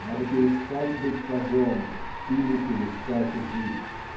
Надо перестать быть пажом или перестать жить.